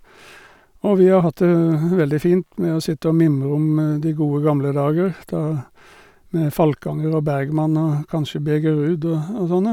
Og vi har hatt det veldig fint med å sitte og mimre om de gode gamle dager da med Falkanger og Bergmann og kanskje Birger Ruud og og sånne.